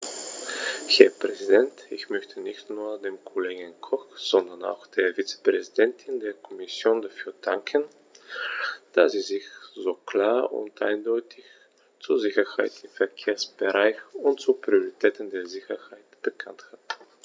Herr Präsident, ich möchte nicht nur dem Kollegen Koch, sondern auch der Vizepräsidentin der Kommission dafür danken, dass sie sich so klar und eindeutig zur Sicherheit im Verkehrsbereich und zur Priorität der Sicherheit bekannt hat.